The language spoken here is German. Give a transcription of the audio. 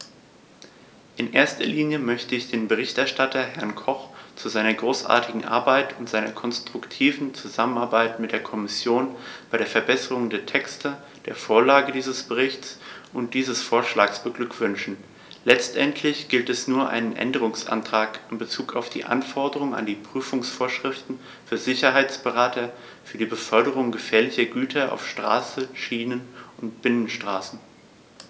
In erster Linie möchte ich den Berichterstatter, Herrn Koch, zu seiner großartigen Arbeit und seiner konstruktiven Zusammenarbeit mit der Kommission bei der Verbesserung der Texte, der Vorlage dieses Berichts und dieses Vorschlags beglückwünschen; letztendlich gibt es nur einen Änderungsantrag in bezug auf die Anforderungen an die Prüfungsvorschriften für Sicherheitsberater für die Beförderung gefährlicher Güter auf Straße, Schiene oder Binnenwasserstraßen.